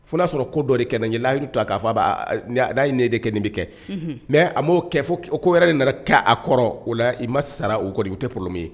Fo n'a sɔrɔ ko dɔ de kɛ bɛ n ye layidu ta k'a fɔ a b'a na ye nin de kɛ nin bɛ kɛ ,unhun, mais a m'o kɛ fɔ ko yɛrɛ de nana k'a kɔrɔ o la i ma sara u kɔni o tɛ problèma ye